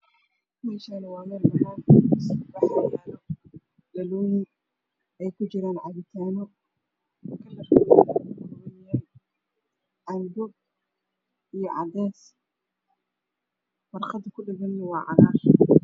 Meshan waa mel banan ah wax yalo dhaloyin eey kujiran cabitan kalar kode yahay cabo iyo cades warqada kudhegan waa cagar